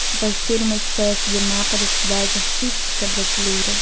vai ser uma espécie de mapa da cidade artística brasileira